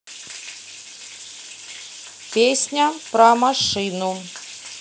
песня про машину